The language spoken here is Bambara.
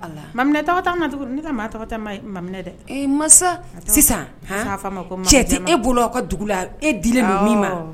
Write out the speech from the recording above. Ma tɔgɔ na ne maa tɔgɔ ma maminɛ dɛ masa sisan cɛ tɛ e bolo a ka dugu la e di ma min ma